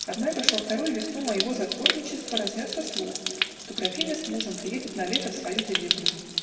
Однако ж во вторую весну моего затворничества разнесся слух, что графиня с мужем приедет на лето в свою деревню.